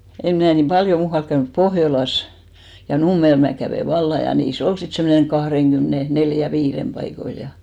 en minä niin paljon muualla käynyt Pohjolassa ja Nummella minä kävin vallan ja niissä oli sitten semmoinen kahdenkymmenen neljän viiden paikoilla ja